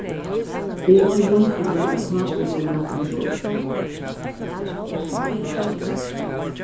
eg eri ikki vísur í at pápi hevði latið meg koyrt